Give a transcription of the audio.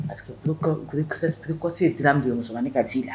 Parce que grossesse précoce ye de ye musomannin ka vie la.